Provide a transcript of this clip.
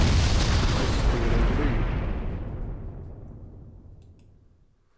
heystið er longu byrjað